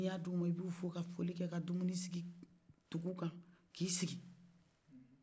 n'iya dowma i b'o fo ka foli kɛ ka dumuni sigi dugu ka k'i sigi